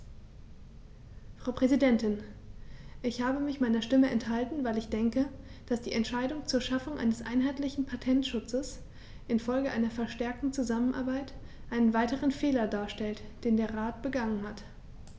Frau Präsidentin, ich habe mich meiner Stimme enthalten, weil ich denke, dass die Entscheidung zur Schaffung eines einheitlichen Patentschutzes in Folge einer verstärkten Zusammenarbeit einen weiteren Fehler darstellt, den der Rat begangen hat.